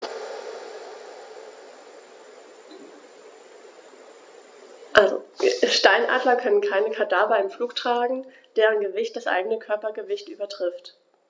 Steinadler können keine Kadaver im Flug tragen, deren Gewicht das eigene Körpergewicht übertrifft.